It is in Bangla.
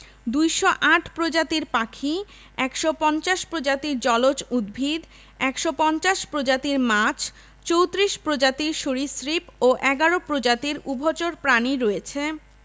২০৮ প্রজাতির পাখি ১৫০ প্রজাতির জলজ উদ্ভিদ ১৫০ প্রজাতির মাছ ৩৪ প্রজাতির সরীসৃপ ও ১১ প্রজাতির উভচর প্রাণী রয়েছে